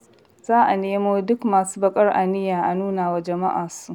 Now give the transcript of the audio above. Za a nemo duk masu baƙar aniya a nunawa jama'a su.